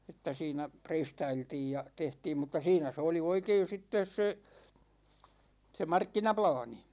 että siinä preistailtiin ja tehtiin mutta siinä se oli oikein sitten se se markkinaplaani